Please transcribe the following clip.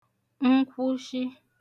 nkwụshị